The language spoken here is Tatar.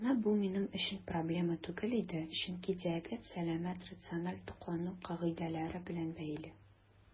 Әмма бу минем өчен проблема түгел иде, чөнки диабет сәламәт, рациональ туклану кагыйдәләре белән бәйле.